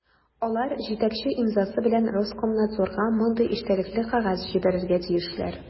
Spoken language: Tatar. Алар җитәкче имзасы белән Роскомнадзорга мондый эчтәлекле кәгазь җибәрергә тиешләр: